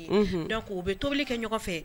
Don u bɛ tobili kɛ ɲɔgɔn fɛ